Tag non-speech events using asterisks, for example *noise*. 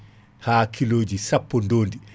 *breath* ha kiloji sappo ndondi